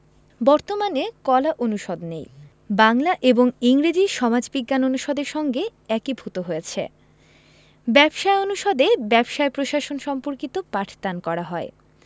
বর্তমানে কলা অনুষদ নেই বাংলা এবং ইংরেজি সমাজবিজ্ঞান অনুষদের সঙ্গে একীভূত হয়েছে ব্যবসায় অনুষদে ব্যবসায় প্রশাসন সম্পর্কিত পাঠদান করা হয়